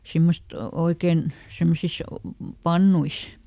semmoista oikein semmoisissa pannuissa